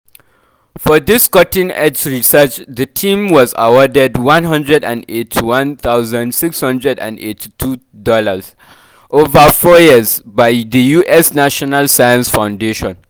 For this cutting-edge research the team was awarded $181,682 over four years by the US National Science Foundation.